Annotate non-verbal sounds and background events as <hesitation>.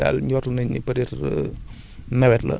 ñoom ñoo ciy <hesitation> gën a mën a àddu